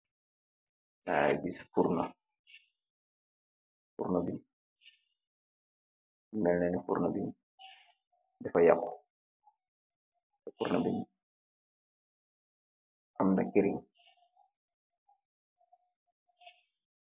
Magi giss furno furno bi melneni furno bi dafa yaxu teh furno bi amna kerin.